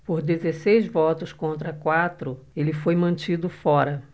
por dezesseis votos contra quatro ele foi mantido fora